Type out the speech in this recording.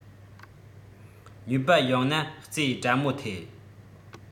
ཉོས པ ཡང ན རྩེ གྲ མོ ཐེ